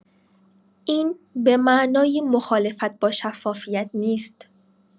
این به معنای مخالفت با شفافیت نیست.